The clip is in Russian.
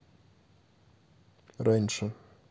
раньше